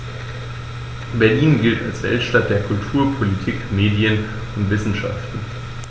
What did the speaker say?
Berlin gilt als Weltstadt der Kultur, Politik, Medien und Wissenschaften.